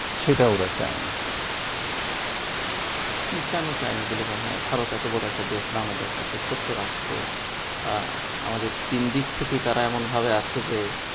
সেটা ওরা চায়নি কেন চায়নি বলে মনে হয় ভারত এত বড় একটা দেশ বাংলাদেশ একটা ছোট্ট রাস্ট্র আমাদের তিন দিক থেকেই তারা এমনভাবে আছে যে